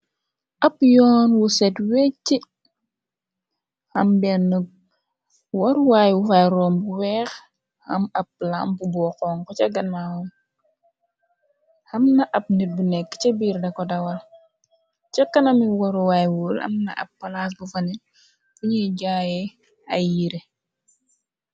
Ab yoon wuset wejc ham benn waruwaayu virom bu weex ham ab lamb bo xonku ca gannaawam amna ab nit bi nekk ca biir dako dawal jokkanami waruwaay wul amna ab palaas bu fane buñuy jaaye ay yiire.